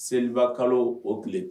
Seliba kalo o tile tan